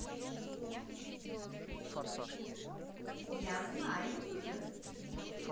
я знаю уже